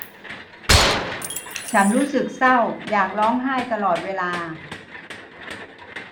ฉันรู้สึกเศร้าอยากร้องไห้ตลอดเวลา